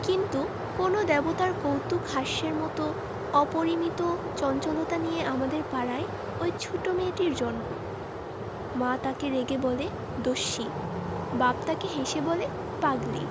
কিন্তু কোন দেবতার কৌতূকহাস্যের মত অপরিমিত চঞ্চলতা নিয়ে আমাদের পাড়ায় ঐ ছোট মেয়েটির জন্ম মা তাকে রেগে বলে দস্যি বাপ তাকে হেসে বলে পাগলি